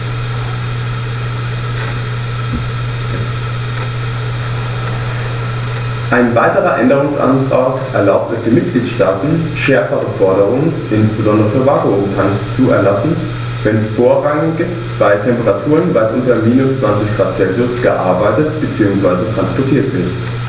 Ein weiterer Änderungsantrag erlaubt es den Mitgliedstaaten, schärfere Forderungen, insbesondere für Vakuumtanks, zu erlassen, wenn vorrangig bei Temperaturen weit unter minus 20º C gearbeitet bzw. transportiert wird.